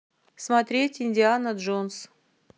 смотреть индиана джонс